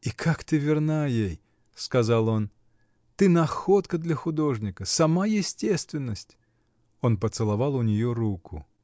и как ты верна ей, — сказал он, — ты находка для художника! Сама естественность! Он поцеловал у нее руку.